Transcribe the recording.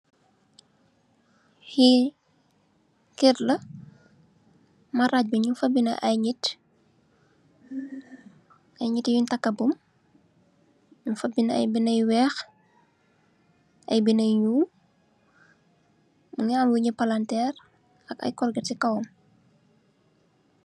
Fi kër la maraj bi nung fa binda ay nit ay nit nung takk buum. Nung fa binda ay binda yu weeh, ay binda yu ñuul. Mungi am wënn palanteer ak ay corkèt ci kawam.